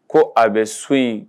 Ko a bɛ so yen